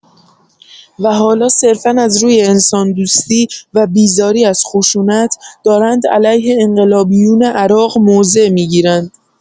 و حالا صرفا از روی «انسان‌دوستی» و «بیزاری از خشونت» دارند علیه انقلابیون عراق موضع می‌گیرند.